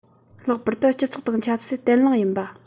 ལྷག པར དུ སྤྱི ཚོགས དང ཆབ སྲིད བརྟན ལྷིང ཡིན པ